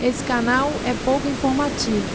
esse canal é pouco informativo